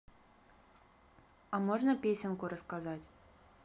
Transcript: а можно песенку рассказать